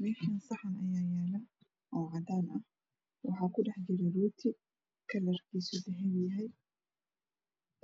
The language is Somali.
Meeshaan saxan ayaa yaalo cadaan ah waxaa ku dhex jiro rooti kalarkiisa dahabi yahay